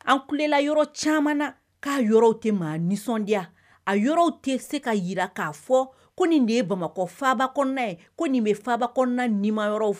An kulela yɔrɔ caman k'a yɔrɔ tɛ maa nisɔndiya a yɔrɔ tɛ se ka jira k'a fɔ ko nin de ye bamakɔ faa kɔnɔ ye ko nin bɛ fa kɔnɔ nima fɛ